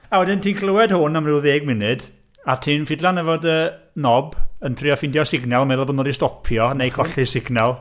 A wedyn ti'n clywed hwn am ryw ddeg munud, a ti'n ffidlan efo dy knob yn trio ffindio signal, meddwl bo' nhw 'di stopio neu colli signal.